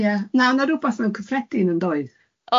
Ia na, o'dd yna rwbeth mewn cyffredin, yn doedd?